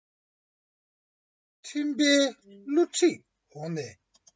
འཕྲིན པས བསླུ བྲིད འོག ནས